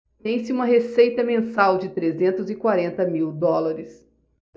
tem-se uma receita mensal de trezentos e quarenta mil dólares